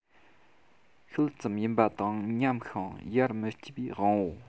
ཤུལ ཙམ ཡིན པ དང ཉམས ཤིང ཡར མི སྐྱེ བའི དབང པོ